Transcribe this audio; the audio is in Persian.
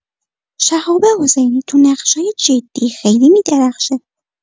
شهاب حسینی تو نقشای جدی خیلی می‌درخشه.